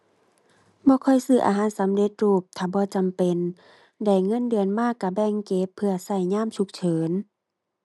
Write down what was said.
บ่ค่อยซื้ออาหารสำเร็จรูปถ้าบ่จำเป็น ได้เงินเดือนมาก็แบ่งเก็บเพื่อก็ยามฉุกเฉิน